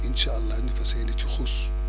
incha allah ñu fas yéene ci xuus